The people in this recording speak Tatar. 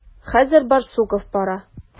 Хәзер Барсуков бара.